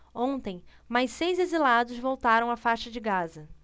ontem mais seis exilados voltaram à faixa de gaza